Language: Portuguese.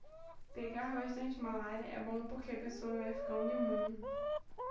pegar bastante malária é bom porque a pessoa vai ficando imune